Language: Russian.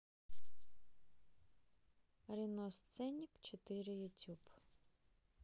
рено сценик четыре ютуб